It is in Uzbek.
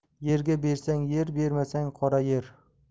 yerga bersang yer bermasang qora yer